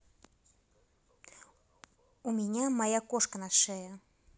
у меня моя кошка на шее